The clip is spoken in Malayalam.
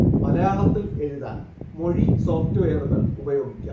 മലയാളത്തിൽ എഴുതാൻ മൊഴി സോഫ്റ്റ്വെയറുകൾ ഉപയോഗിക്കാം